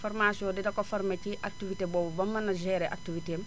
formation dina ko formé ci activité boobu ba mu mën a géré activité am